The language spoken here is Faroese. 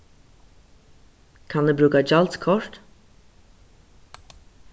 kann eg brúka gjaldskort